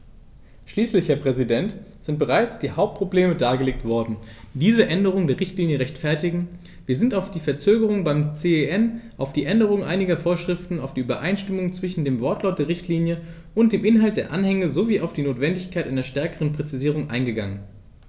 Schließlich, Herr Präsident, sind bereits die Hauptprobleme dargelegt worden, die diese Änderung der Richtlinie rechtfertigen, wir sind auf die Verzögerung beim CEN, auf die Änderung einiger Vorschriften, auf die Übereinstimmung zwischen dem Wortlaut der Richtlinie und dem Inhalt der Anhänge sowie auf die Notwendigkeit einer stärkeren Präzisierung eingegangen.